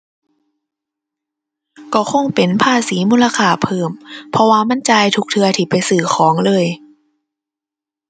ก็คงเป็นภาษีมูลค่าเพิ่ม เพราะว่ามันจ่ายทุกเทื่อที่ไปซื้อของเลย